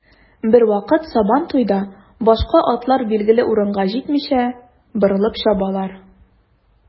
Бервакыт сабантуйда башка атлар билгеле урынга җитмичә, борылып чабалар.